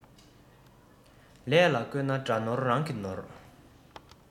ལས ལ བཀོད ན དགྲ ནོར རང གི ནོར